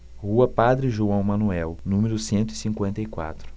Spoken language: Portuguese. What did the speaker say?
rua padre joão manuel número cento e cinquenta e quatro